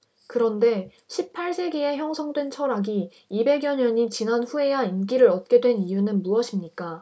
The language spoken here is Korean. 그런데 십 팔 세기에 형성된 철학이 이백 여 년이 지난 후에야 인기를 얻게 된 이유는 무엇입니까